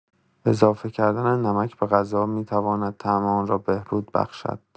اضافه‌کردن نمک به غذا می‌تواند طعم آن را بهبود بخشد.